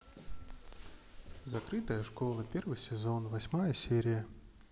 закрытая школа первый сезон восьмая серия